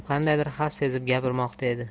qandaydir xavf sezib gapirmoqda edi